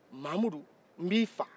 mahamudu i b'i faa